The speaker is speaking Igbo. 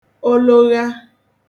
ologha